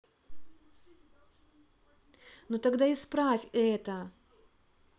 ну тогда исправь это